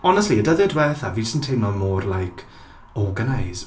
Honestly y dyddiau diwethaf fi jyst yn teimlo mor like organised.